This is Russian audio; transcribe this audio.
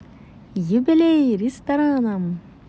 юбилей рестораном